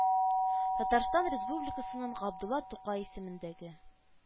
Татарстан Республикасының Габдулла Тукай исемендәге